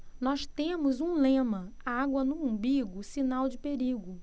nós temos um lema água no umbigo sinal de perigo